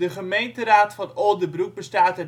gemeenteraad van Oldebroek bestaat